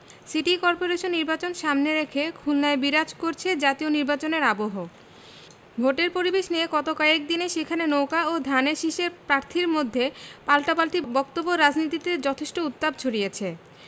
city corporation নির্বাচন সামনে রেখে খুলনায় বিরাজ করছে জাতীয় নির্বাচনের আবহ ভোটের পরিবেশ নিয়ে গত কয়েক দিনে সেখানে নৌকা ও ধানের শীষের প্রার্থীর মধ্যে পাল্টাপাল্টি বক্তব্য রাজনীতিতে যথেষ্ট উত্তাপ ছড়িয়েছে